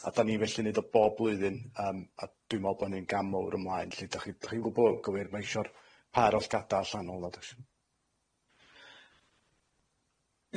A' dan ni felly neud o bob blwyddyn yym a dwi me'wl bo' ni'n gam mowr ymlaen lly dach chi dach chi'n gw'o' bo' yn gywir ma' isio'r par o llgada allanol na does.